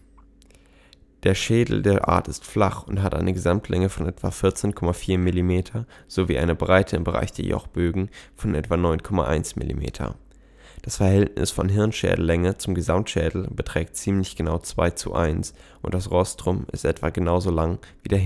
Der Schädel der Art ist flach und hat eine Gesamtlänge von etwa 14,4 Millimeter sowie eine Breite im Bereich der Jochbögen von etwa 9,1 Millimeter. Das Verhältnis von Hirnschädellänge zum Gesamtschädel beträgt ziemlich genau 2:1 und das Rostrum ist etwa genauso lang wie der Hirnschädelbereich